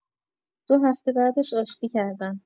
دو هفته بعدش آشتی کردن!